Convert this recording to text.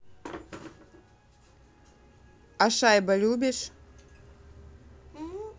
а шайба любишь